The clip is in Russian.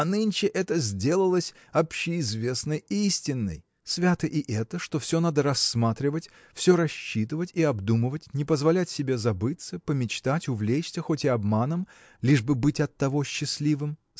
а нынче это сделалось общеизвестной истиной. – Свято и это что все надо рассматривать все рассчитывать и обдумывать не позволять себе забыться помечтать увлечься хоть и обманом лишь бы быть оттого счастливым?.